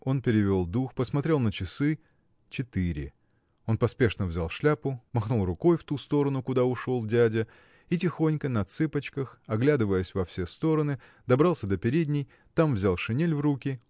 Он перевел дух, посмотрел на часы – четыре. Он поспешно взял шляпу махнул рукой в ту сторону куда ушел дядя и тихонько на цыпочках оглядываясь во все стороны добрался до передней там взял шинель в руки